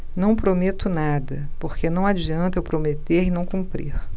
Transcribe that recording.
não prometo nada porque não adianta eu prometer e não cumprir